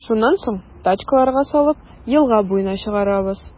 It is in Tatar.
Шуннан соң, тачкаларга салып, елга буена чыгарабыз.